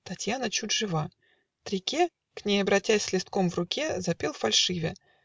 Татьяна чуть жива; Трике, К ней обратясь с листком в руке, Запел, фальшивя.